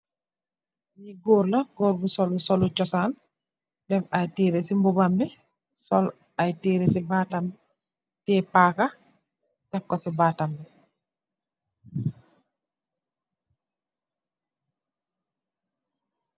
Goor la goor bu sulu chosan daf aye tereh si ndigam bi ak si batam bi teyeh pakah tek kooh si batam bi.